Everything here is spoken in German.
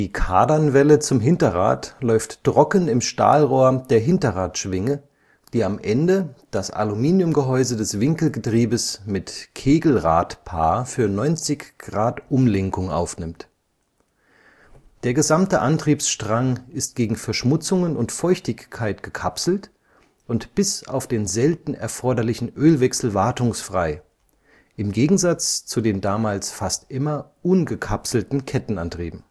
Kardanwelle zum Hinterrad läuft trocken im Stahlrohr der Hinterradschwinge, die am Ende das Aluminiumgehäuse des Winkelgetriebes mit Kegelradpaar für 90° Umlenkung aufnimmt. Der gesamte Antriebsstrang ist gegen Verschmutzungen und Feuchtigkeit gekapselt und bis auf den selten erforderlichen Ölwechsel wartungsfrei, im Gegensatz zu den damals fast immer ungekapselten Kettenantrieben